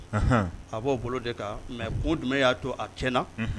A b'o bolo de kan mɛ ko jumɛn y'a to a tiɲɛna